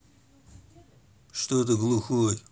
что ты глухой